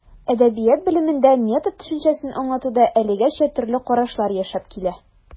Әдәбият белемендә метод төшенчәсен аңлатуда әлегәчә төрле карашлар яшәп килә.